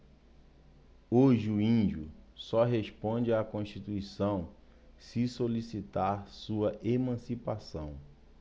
hoje o índio só responde à constituição se solicitar sua emancipação